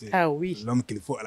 Ah oui donc qu'il faut à la